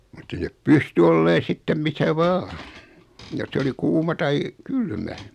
mutta ei ne pystyi olemaan sitten missä vain jos se oli kuuma tai kylmä